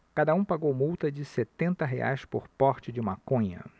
cada um pagou multa de setenta reais por porte de maconha